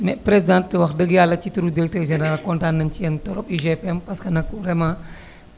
mais présidente wax dëgg yàlla ci turu directeur général kontaan nañu ci yéen trop UGPM parce que nag vraiment